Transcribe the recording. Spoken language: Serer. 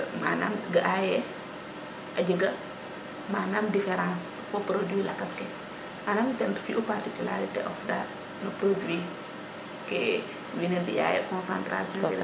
manaam ga a ye a jega manaam difference fo produit lakas ke manaam ten fi u particularité of dal no produit ke winwe mbiya yo cencentration a